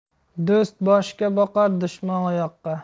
do'st boshga boqar dushman oyoqqa